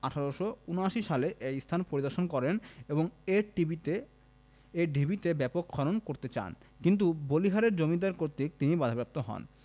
১৮৭৯ সালে এ স্থান পরিদর্শন করেন ও এ টিভিতে এ ঢিবিতে ব্যাপক খনন করতে চান কিন্তু বলিহারের জমিদার কর্তৃক তিনি বাধাপ্রাপ্ত হন